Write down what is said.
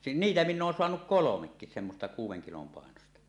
- niitä minä olen saanut kolmekin semmoista kuuden kilon painoista